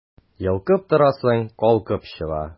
Йолкып торасың, калкып чыга...